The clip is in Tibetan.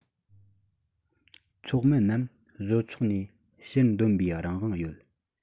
ཚོགས མི རྣམས བཟོ ཚོགས ནས ཕྱིར དོན པའི རང དབང ཡོད